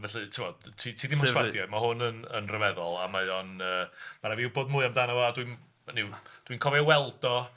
Felly, ti'mod, ti 'di mherswadio i, mae hwn yn... yn ryfeddol a mae o'n yy... rhaid i fi wbod mwy amdano a dwi... hynny yw, dwi'n cofio weld o.